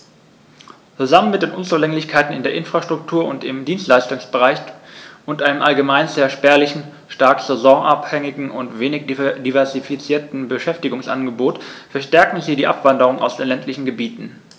Zusammen mit den Unzulänglichkeiten in der Infrastruktur und im Dienstleistungsbereich und einem allgemein sehr spärlichen, stark saisonabhängigen und wenig diversifizierten Beschäftigungsangebot verstärken sie die Abwanderung aus den ländlichen Gebieten.